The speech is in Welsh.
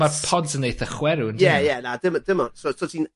...ma'r pods yn eitha chwerw on'd 'yn nw? Ie ie na dim o- dim ots fel so ti'n